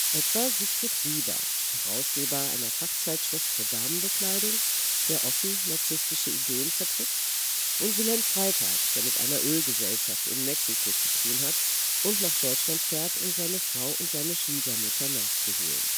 Etwa Siegfried Rieber, Herausgeber einer Fachzeitschrift für Damenbekleidung, der offen nazistische Ideen vertritt, und Wilhelm Freytag, der mit einer Ölgesellschaft in Mexiko " zu tun " hat und nach Deutschland fährt, um seine Frau und seine Schwiegermutter nachzuholen